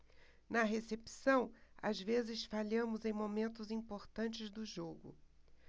na recepção às vezes falhamos em momentos importantes do jogo